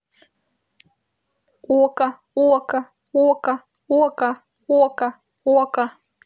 okko okko okko okko okko okko